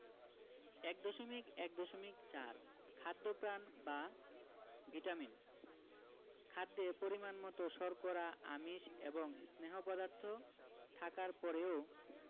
১.১.৪ খাদ্যপ্রাণ বা ভিটামিন খাদ্যে পরিমাণমতো শর্করা আমিষ এবং স্নেহ পদার্থ থাকার পরেও